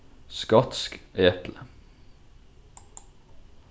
skotsk epli